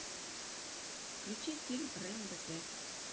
включить фильм рэмбо пять